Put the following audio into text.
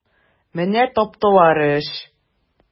Менә таптылар эш!